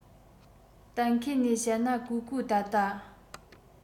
གཏན འཁེལ ནས བཤད ན ཀོའུ ཀོའུ ད ལྟ